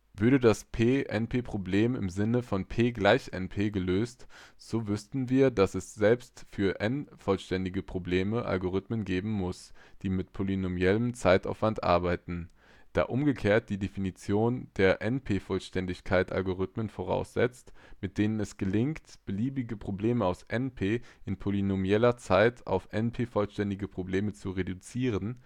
Würde das P-NP-Problem im Sinne von P = NP gelöst, so wüssten wir, dass es selbst für NP-vollständige Probleme Algorithmen geben muss, die mit polynomiellem Zeitaufwand arbeiten. Da umgekehrt die Definition der NP-Vollständigkeit Algorithmen voraussetzt, mit denen es gelingt, beliebige Probleme aus NP in polynomieller Zeit auf NP-vollständige Probleme zu reduzieren